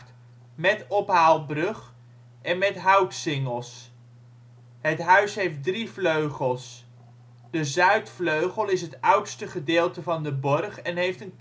ophaalbrug) en met houtsingels. Het huis heeft drie vleugels. De zuidvleugel is het oudste gedeelte van de borg en heeft